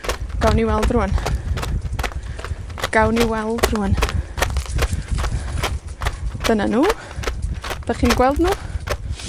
Gawn ni weld rŵan. Gawn ni weld rŵan. Dyna nw. 'dach chi'n gweld nw?